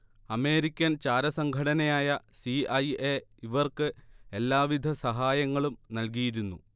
American ചാരസംഘടനയായ C. I. A. ഇവർക്ക് എല്ലാവിധ സഹായങ്ങളും നൽകിയിരുന്നു